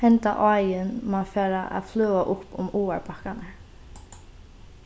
henda áin man fara at fløða upp um áarbakkarnar